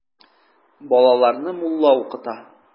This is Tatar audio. Балаларны мулла укыта.